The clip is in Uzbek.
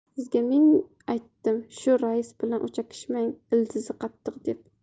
sizga ming aytdim shu rais bilan o'chakishmang ildizi qattiq deb